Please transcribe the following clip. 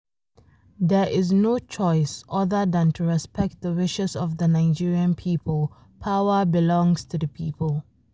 There is no choice other than to respect the wishes of the Nigerian people, power belongs to the people.